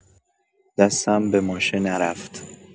دستم به ماشه نرفت.